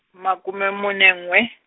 makume mune n'we.